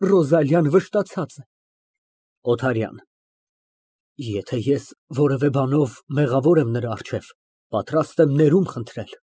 Ռոզալիան վշտացած է։ ՕԹԱՐՅԱՆ ֊ Եթե ես որևէ բանով մեղավոր եմ նրա առջև, պատրաստ եմ ներումն խնդրել։